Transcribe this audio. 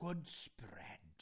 Good spread.